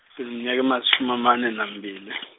ngineminyaka emasumi amane nambili.